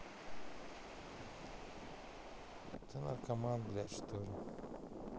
ты наркоман блять чтоли